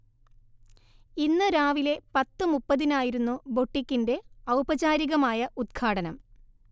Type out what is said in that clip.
ഇന്ന് രാവിലെ പത്തു മുപ്പത്തിനായിരുന്നു നായിരുന്നു ബൊട്ടിക്കിന്റെ ഔപചാരികമായ ഉദ്ഘാടനം